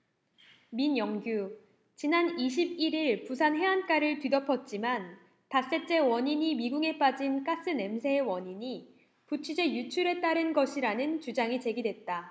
민영규 지난 이십 일 일 부산 해안가를 뒤덮었지만 닷새째 원인이 미궁에 빠진 가스 냄새의 원인이 부취제 유출에 따른 것이라는 주장이 제기됐다